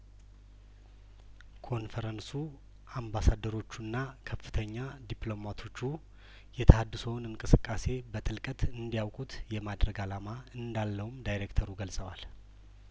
ኮንፈረንሱ አምባሳደሮቹና ከፍተኛ ዲፕሎማቶቹ የተሀድሶውን እንቅስቃሴ በጥልቀት እንዲያውቁት የማድረግ አላማ እንዳለውም ዳይሬክተሩ ገልጸዋል